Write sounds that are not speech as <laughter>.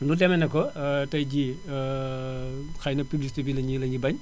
lu demee ne que <hesitation> tey jii <hesitation> xëy na publicité bi lañuy lañuy bañ